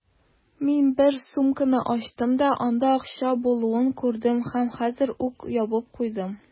Мин бер сумканы ачтым да, анда акча булуын күрдем һәм хәзер үк ябып куйдым.